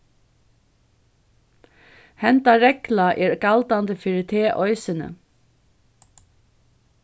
henda regla er galdandi fyri teg eisini